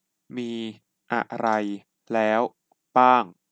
มีอะไรแล้วบ้าง